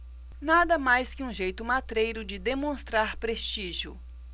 nada mais que um jeito matreiro de demonstrar prestígio